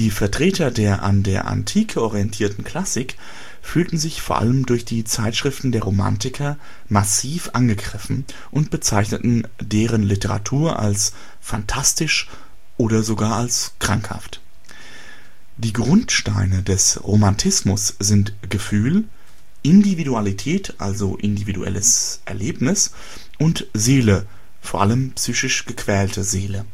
Vertreter der an der Antike orientierten Klassik fühlten sich vor allem durch die Zeitschriften der Romantiker massiv angegriffen und bezeichneten deren Literatur als fantastisch oder sogar als krankhaft. Die Grundsteine des Romantismus sind Gefühl, Individualität (individuelles Erlebnis) und Seele (vor allem psychisch gequälte Seele